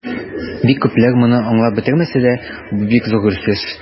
Бик күпләр моны аңлап бетермәсә дә, бу бик зур үсеш.